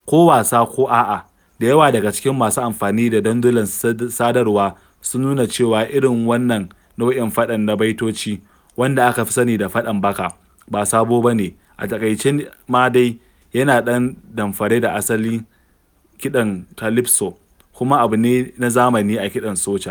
Ko wasa ko a'a, da yawa daga cikin masu amfani da dandulan sadarwa sun nuna cewa irin wannan nau'in faɗan na baitoci (wanda aka fi sani da "faɗan baka") ba sabo ba ne; a taƙaice ma dai, yana nan ɗamfare da asalin kiɗan calypso, kuma abu ne na zamani a kiɗan soca.